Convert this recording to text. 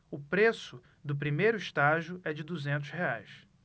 o preço do primeiro estágio é de duzentos reais